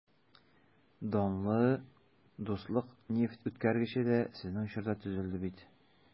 Данлы «Дуслык» нефтьүткәргече дә сезнең чорда төзелде бит...